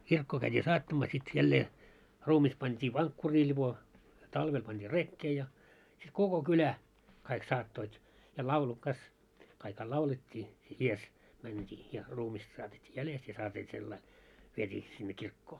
kirkkoon käytiin saattamaan sitten jälleen ruumis pantiin vankkuriin lipo talvella pantiin rekeen ja sitten koko kylä kaikki saattoivat ja laulu kas kaikki laulettiin edessä mentiin ja ruumista saatettiin jäljestä ja saatiin sillä lailla vietiin sinne kirkkoon